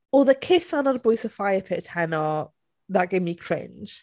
Oedd y cusan ar bwys y fire pit heno that gave me cringe.